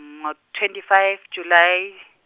ngo twenty five July.